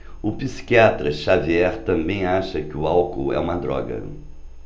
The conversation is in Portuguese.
o psiquiatra dartiu xavier também acha que o álcool é uma droga